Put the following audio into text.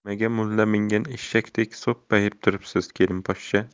nimaga mulla mingan eshakdek so'ppayib turibsiz kelinposhsha